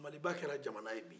maliba kɛra jamana ye bi